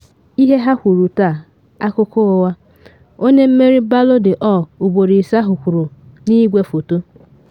Ihe ha kwuru taa, akụkọ ụgha,” onye mmeri Ballo d’Or ugboro ise ahụ kwuru na igwefoto.